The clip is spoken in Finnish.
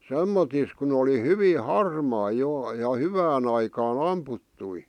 semmottoon kun oli hyvin harmaa jo ja hyvään aikaan ammuttuja